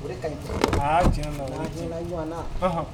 O de kaɲi, a tiɲɛ yɛrɛ la, ɔnhɔn